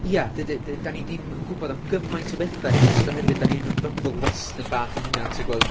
Ia d- d- -d dan ni ddim yn gwbod am gymaint o betha, jyst oherwydd dan ni yn yn bybl western bach yn hynny ti'n gwbod?